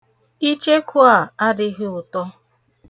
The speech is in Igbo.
Icheku a adighị ụtọ.